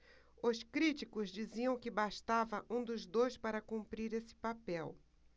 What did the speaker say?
os críticos diziam que bastava um dos dois para cumprir esse papel